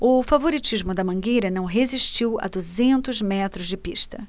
o favoritismo da mangueira não resistiu a duzentos metros de pista